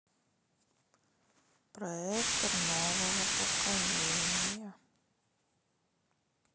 проектор нового поколения